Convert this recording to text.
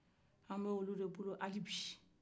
an bɛ olu de bolo hali bi